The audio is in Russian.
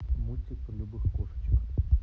мультик про любых кошечек